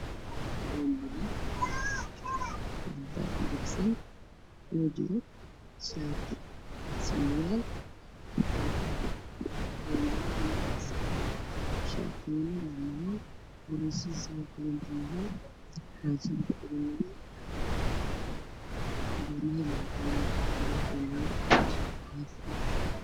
Waxaa ii muuqda midabkiisu yahay caddaan waxaa suran shati midabkiisa yahay madow miis ayey saaran yihiin darbi ka dambeeyay caddaan